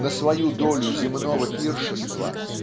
на свою долю земного пиршества